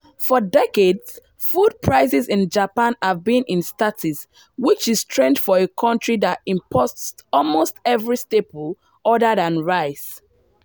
For decades food prices in Japan have been in stasis, which is strange for a country that imports almost every staple other than rice.